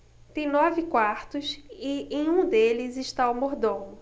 tem nove quartos e em um deles está o mordomo